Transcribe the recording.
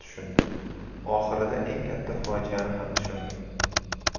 tushundi oxirida eng katta fojiani ham tushundi